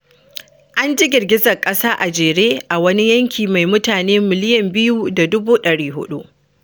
An ji girgizar ƙasa a jere a wani yanki mai mutane miliyan 2 da dubu ɗari 4.